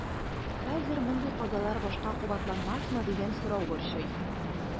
Хәзер мондый казалар башка кабатланмасмы дигән сорау борчый.